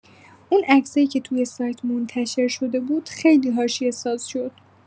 اون عکسایی که توی سایت منتشرشده بود، خیلی حاشیه‌ساز شد!